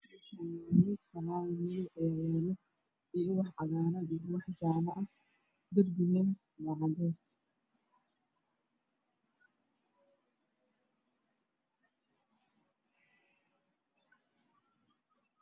Meeshaani waa miis iyo wax cagaar waxa jaale darbiga waa cadays